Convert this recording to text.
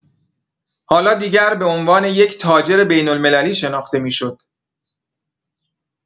حالا دیگر به عنوان یک تاجر بین‌المللی شناخته می‌شد.